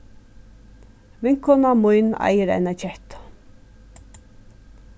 vinkona mín eigur eina kettu